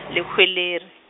Lehwelere.